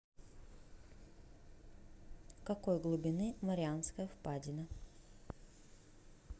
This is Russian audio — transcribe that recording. какой глубины марианская впадина